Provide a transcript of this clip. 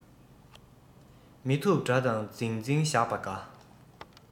མི ཐུབ དགྲ དང འཛིང འཛིང བཞག པ དགའ